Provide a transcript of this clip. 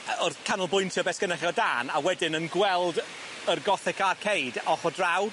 Yy wrth canolbwyntio be' sgynnoch chi o dân a wedyn yn gweld yr Gothic Arcade ochor draw.